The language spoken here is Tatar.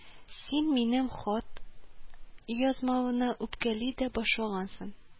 Син минем хат язмавыма үпкәли дә башлагансың